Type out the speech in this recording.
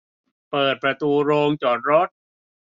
เปิดประตูโรงจอดรถ